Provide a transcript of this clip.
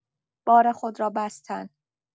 بار خود را بستن